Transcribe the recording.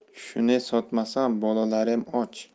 shune sotmasam bolalarem och